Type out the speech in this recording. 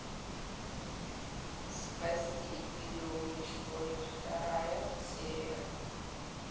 спасти или уничтожить вторая серия